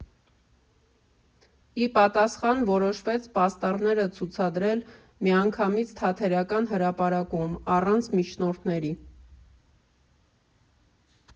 Ի պատասխան որոշվեց պաստառները ցուցադրել միանգամից Թատերական հրապարակում, առանց միջնորդների։